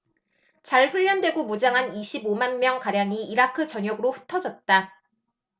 잘 훈련되고 무장한 이십 오 만 명가량이 이라크 전역으로 흩어졌다